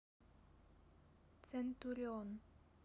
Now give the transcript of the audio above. центурион